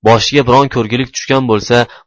boshiga biron ko'rgilik tushgan bo'lsa